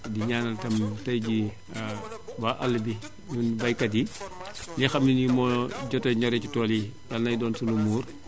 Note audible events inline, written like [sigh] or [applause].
di ñaanal itam tay jii [hesitation] waa àll bi ñun baykat yi li xam ne nii moo jot a ñoree ci tool yi Yàlla nay doon suñu muur